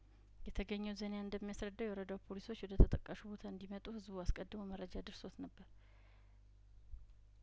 የተገኘው ዜና እንደሚያስረዳው የወረዳው ፖሊሶች ወደ ተጠቃሹ ቦታ እንዲመጡ ህዝቡ አስቀድሞ መረጃ ደርሶት ነበር